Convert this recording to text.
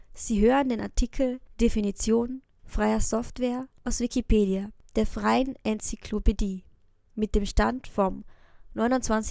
Sie hören den Artikel Freie Software, aus Wikipedia, der freien Enzyklopädie. Mit dem Stand vom Der